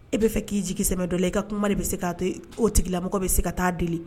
E b' fɛ k'i jigi sɛmɛ dɔ la i ka kuma de bɛ se k' to ko tigi la mɔgɔ bɛ se ka taa deli